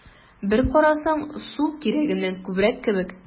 Бер карасаң, су кирәгеннән күбрәк кебек: